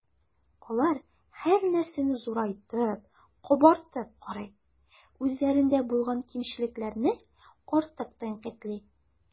Алар һәрнәрсәне зурайтып, “кабартып” карый, үзләрендә булган кимчелекләрне артык тәнкыйтьли.